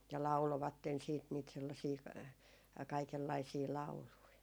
ja lauloivat sitten niitä sellaisia kaikenlaisia lauluja